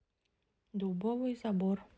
дубовый забор